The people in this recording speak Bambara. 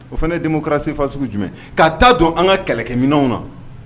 O fana ye démocratie fasugu jumɛn ye? Ka ta don an ka kɛlɛkɛminanw na